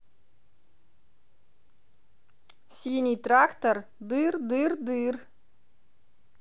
синий трактор дыр дыр дыр